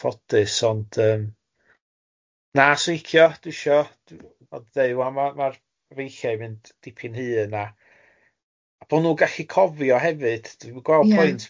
ffodus ond yym na sw icio dwi isio d- d- deud wan bo'r efeilliaid dipyn hyn a bod nhw'n gallu cofio hefyd, dwi'm yn gweld point... Ie.